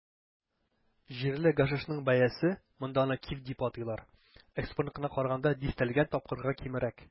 Җирле гашишның бәясе - монда аны "киф" дип атыйлар - экспортныкына караганда дистәләгән тапкырга кимрәк.